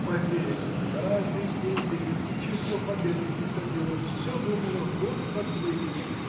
Поверите ли, каждый день до пяти часов обедать не садилась, все думала вот подъедет.